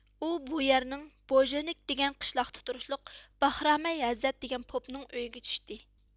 ئۇ بۇ يەرنىڭ بوژېنك دېگەن قىشلاقتا تۇرۇشلۇق باخرامەي ھەززەت دېگەن پوپنىڭ ئۆيىگە چۈشتى